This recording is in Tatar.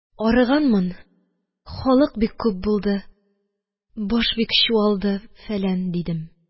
Арыганмын, халык бик күп булды, баш бик чуалды, фәлән, – дидем